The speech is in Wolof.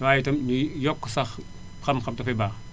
waaye tam luy yokk sax xam-xam dafay baax